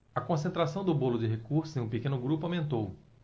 a concentração do bolo de recursos em um pequeno grupo aumentou